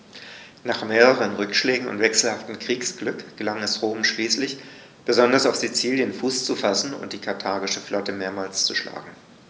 Nach mehreren Rückschlägen und wechselhaftem Kriegsglück gelang es Rom schließlich, besonders auf Sizilien Fuß zu fassen und die karthagische Flotte mehrmals zu schlagen.